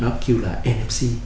nó kiu là em ét xi